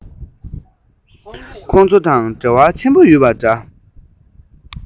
ཁོ ཚོ དང འབྲེལ བ ཆེན པོ ཡོད པ འདྲ